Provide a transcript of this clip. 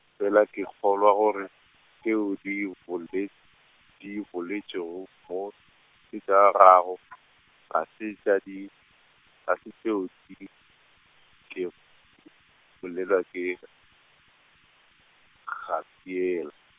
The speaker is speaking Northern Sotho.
fela ke kgolwa gore tšeo di bole-, di boletšego mo, ke tša gago , ga se tša di, ga se tšeo di kego, bolela ke, Gafeel-.